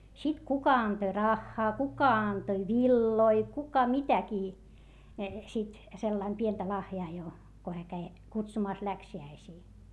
sitten kuka antoi rahaa kuka antoi villoja kuka mitäkin sitten sillä lailla pientä lahjaa jo kun hän kävi kutsumassa läksiäisiin